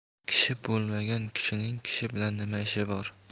kishi bo'lmagan kishining kishi bilan nima ishi bor